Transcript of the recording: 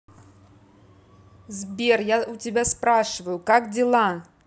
сбер я у тебя спрашиваю как дела